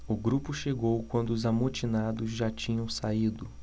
o grupo chegou quando os amotinados já tinham saído